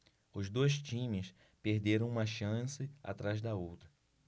os dois times perderam uma chance atrás da outra